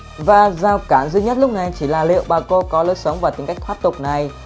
và rào cản duy nhất lúc này chỉ là liệu bà cô có lối sống và tính cách thoát tục này